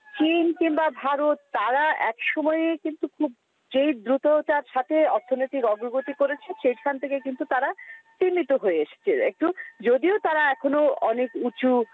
চীন কিংবা ভারত তারা এক সময় কিন্তু যে দ্রুততার সাথে অর্থনৈতিক অগ্রগতি করেছে সেখান থেকে কিন্তু তারা স্তিমিত হয়ে এসছে যদিও তারা এখনো অনেক উচু